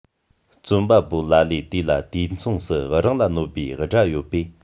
རྩོམ པ པོ ལ ལས དེ ལ དུས མཚུངས སུ རང ལ གནོད པའི སྒྲ ཡོད པས